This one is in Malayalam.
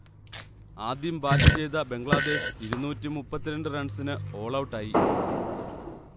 ആദ്യം ബാറ്റ് ചെയ്ത ബംഗ്ലാദേശ് ഇരുന്നൂറ്റി മുപ്പത്തി രണ്ട് റണ്ണിന് ഓൾഔട്ടായി